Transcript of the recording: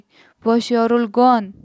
bosh yorilg o on